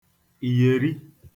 ìyèri